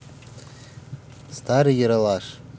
старый ералаш